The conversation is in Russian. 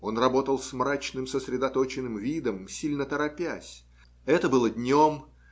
он работал с мрачным, сосредоточенным видом, сильно торопясь это было днем